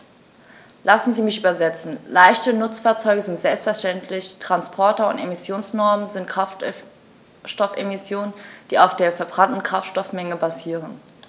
Lassen Sie mich übersetzen: Leichte Nutzfahrzeuge sind selbstverständlich Transporter, und Emissionsnormen sind Kraftstoffemissionen, die auf der verbrannten Kraftstoffmenge basieren.